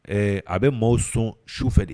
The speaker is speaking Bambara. Ɛɛ a bɛ maaw sɔn su fɛ de